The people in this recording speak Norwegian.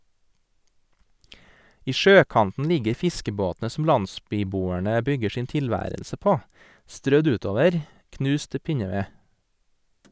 I sjøkanten ligger fiskebåtene som landsbyboerne bygger sin tilværelse på, strødd utover , knust til pinneved.